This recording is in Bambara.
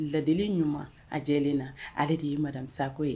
Lade ɲuman a lajɛlen na ale de ye maramisa ye